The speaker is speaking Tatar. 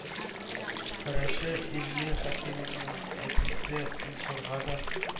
Көрәшче илмир хәкимхановның әтисе илсурга да